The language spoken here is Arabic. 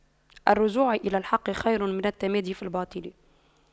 الرجوع إلى الحق خير من التمادي في الباطل